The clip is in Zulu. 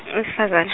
owesifazane .